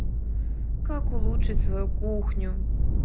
как улучшить свою кухню